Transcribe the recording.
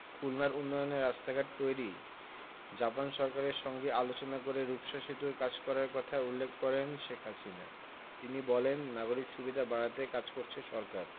খুলনার উন্নয়নে রাস্তাঘাট তৈরি জাপান সরকারের সঙ্গে আলোচনা করে রূপসা সেতুর কাজ করার কথা উল্লেখ করেন শেখ হাসিনা তিনি বলেন নাগরিক সুবিধা বাড়াতে কাজ করছে সরকার